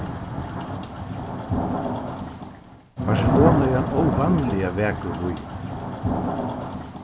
barcelona er ein óvanliga vakur býur